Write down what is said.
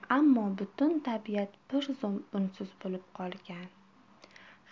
ammo butun tabiat bir zum unsiz bo'lib qolgan